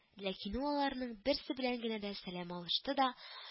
Ләкин ул аларның берсе белән генә сәлам алышты да